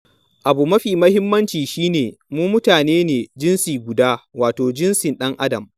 Abu mafi muhimmanci shi ne, mu mutane ne, jinsi guda, wato jinsin ɗan-adam.